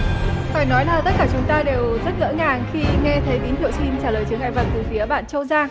phải nói là tất cả chúng ta đều rất ngỡ ngàng khi nghe thấy tín hiệu xin trả lời chướng ngại vật từ phía bạn châu giang